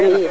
i